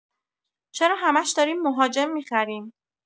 چرا همش داریم مهاجم می‌خریم؟